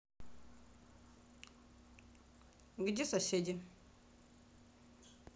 где соседи